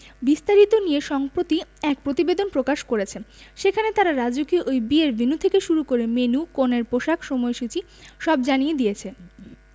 বিস্তারিত নিয়ে সম্প্রতি এক প্রতিবেদন প্রকাশ করেছে সেখানে তারা রাজকীয় এই বিয়ের ভেন্যু থেকে শুরু করে মেন্যু কনের পোশাক সময়সূচী সব জানিয়ে দিয়েছে